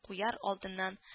Куяр алдыннан